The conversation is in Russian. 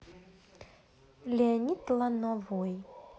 леонид лановой